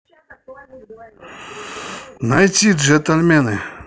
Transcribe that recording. найти джентльмены